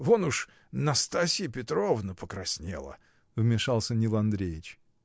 вон уж Настасья Петровна покраснела. — вмешался Нил Андреич.